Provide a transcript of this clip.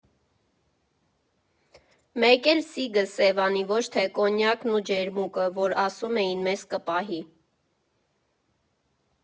Մեկ էլ սիգը Սևանի, ոչ թե կոնյակն ու ջերմուկը, որ ասում էին՝ մեզ կպահի։